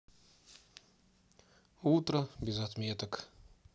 утро без отметок